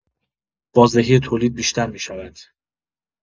بازدهی تولید بیشتر می‌شود.